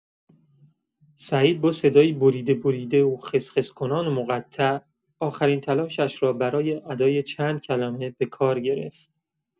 سعید با صدایی بریده‌بریده و خس‌خس‌کنان و مقطع، آخرین تلاشش را برای ادای چند کلمه به کار گرفت.